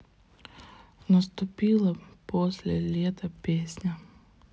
наступила после лета песня